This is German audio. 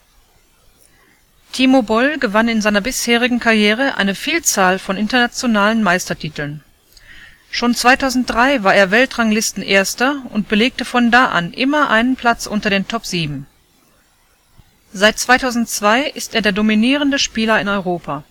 Timo Boll gewann in seiner bisherigen Karriere eine Vielzahl von internationalen Meistertiteln. Schon 2003 war er Weltranglisten-Erster und belegte von da an immer einen Platz unter den Top Sieben. Seit 2002 ist er der dominierende Spieler in Europa